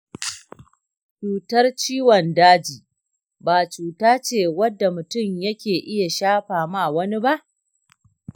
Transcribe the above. cutar ciwon daji ba cuta ce wadda mutum yake iya shafa ma wani ba?